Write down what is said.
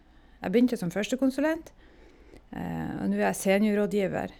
Jeg begynte som førstekonsulent, og nu er jeg seniorrådgiver.